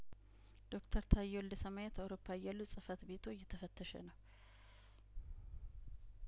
ዶክተር ታዬ ወልደሰማያት አውሮፓ እያሉ ጽፈት ቤትዎ እየተፈተሸ ነው